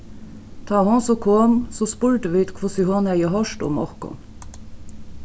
tá hon so kom so spurdu vit hvussu hon hevði hoyrt um okkum